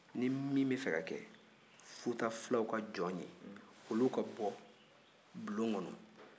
ni min bɛ fɛ ka kɛ futa fulaw ka jɔn ye olu ka bɔ bulon kɔnɔ